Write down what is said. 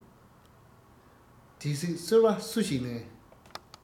དེ བསྲེགས སོལ བ སུ ཞིག ལེན